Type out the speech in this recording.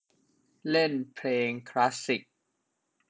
เล่นเพลงคลาสสิค